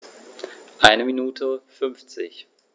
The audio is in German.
Eine Minute 50